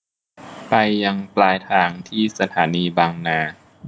ไปยังปลายทางที่สถานีบางนา